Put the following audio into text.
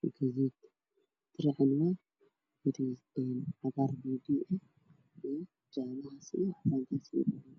gaduud yaalla garbasaaraddana waa jaalle iyo gaduud